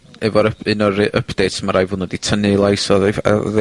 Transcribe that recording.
...efo'r up- un o'r yy updates ma' raid bo' nw 'di tynnu ei lais oddi ff- yy oddi...